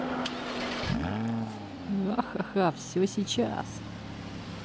ахаха все сейчас